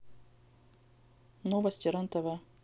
новости рен тв